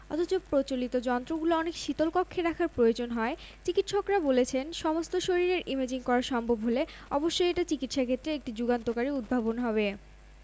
কিন্তু এমআরআই কিংবা সিটিস্ক্যানের এই গতানুগতিক পরীক্ষাকে অতীতে ঠেলে দিতে যাচ্ছেন ব্রিটেনের একদল বিজ্ঞানী প্রথম পর্যায়ে তারা মস্তিষ্কের ইমেজিং নিয়ে কাজ করেছেন